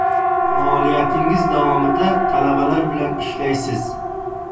faoliyatingiz davomida talabalar bilan ishlaysiz